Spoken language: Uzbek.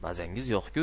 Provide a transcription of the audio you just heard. mazangiz yo'q ku